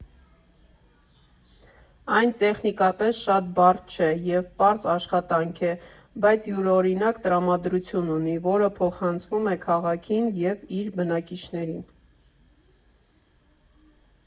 Այն տեխնիկապես շատ բարդ չէ և պարզ աշխատանք է, բայց յուրօրինակ տրամադրություն ունի, որը փոխանցվում է քաղաքին և իր բնակիչներին։